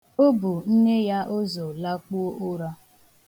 O bu nne ya ụzọ lakpuo ụra.